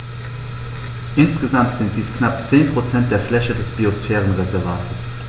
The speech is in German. Insgesamt sind dies knapp 10 % der Fläche des Biosphärenreservates.